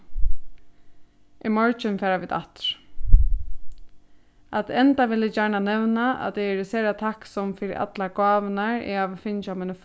í morgin fara vit aftur at enda vil eg gjarna nevna at eg eri sera takksom fyri allar gávurnar eg havi fingið á mínum